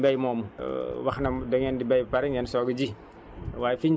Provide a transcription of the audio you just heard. waaye si wàllu mbéy moomu wax na dangeen di béy ba pare ngeen soog a ji